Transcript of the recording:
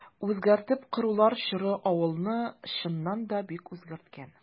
Үзгәртеп корулар чоры авылны, чыннан да, бик үзгәрткән.